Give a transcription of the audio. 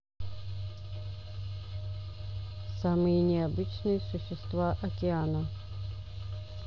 самые необычные существа океана